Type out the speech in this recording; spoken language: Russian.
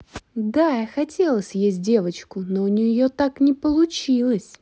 да я хотела съесть девочку но у нее так не получилось